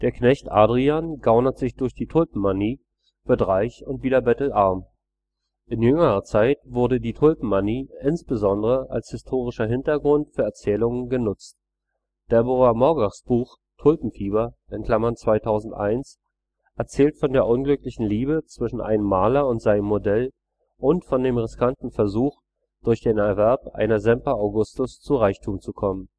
Knecht Adrian gaunert sich durch die Tulpenmanie, wird reich und wieder bettelarm. In jüngerer Zeit wurde die Tulpenmanie insbesondere als historischer Hintergrund für Erzählungen genutzt. Deborah Moggachs Buch Tulpenfieber (2001) erzählt von der unglücklichen Liebe zwischen einem Maler und seinem Modell und von dem riskanten Versuch, durch den Erwerb einer Semper Augustus zu Reichtum zu kommen